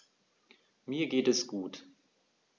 Mir geht es gut.